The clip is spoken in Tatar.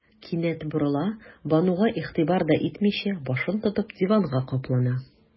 Кинәт борыла, Бануга игътибар да итмичә, башын тотып, диванга каплана.